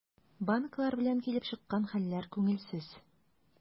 Банклар белән килеп чыккан хәлләр күңелсез.